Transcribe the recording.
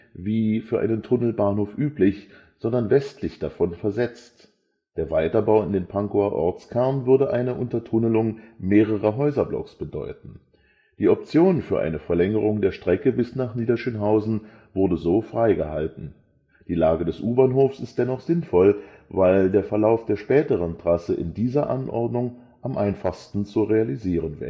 wie für einen Tunnelbahnhof üblich, sondern westlich davon versetzt. Der Weiterbau in den Pankower Ortskern würde eine Untertunnelung mehrerer Häuserblocks bedeuten. Die Option für eine Verlängerung der Strecke bis nach Niederschönhausen wurde so freigehalten. Die Lage des U-Bahnhofs ist dennoch sinnvoll, weil der Verlauf der späteren Trasse in dieser Anordnung am einfachsten zu realisieren